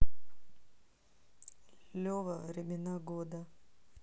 лева времена года